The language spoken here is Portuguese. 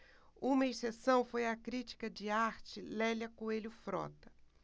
uma exceção foi a crítica de arte lélia coelho frota